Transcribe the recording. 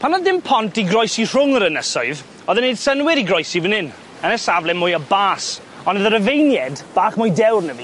Pan o'dd dim pont i groesi rhwng yr ynysoedd o'dd e'n neud synnwyr i groesi fan 'yn yn y safle mwya bas ond o'dd y Rifeiniaid bach mwy dewr na fi